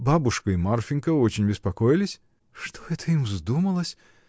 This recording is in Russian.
— Бабушка и Марфинька очень беспокоились. — Что это им вздумалось?